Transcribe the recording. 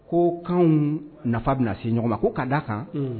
Ko kanw nafa bɛna se ɲɔgɔn ma ko ka da kan, un.